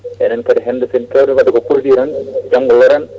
woni hen kadi hande so en paari wadde produit o tan janggo looren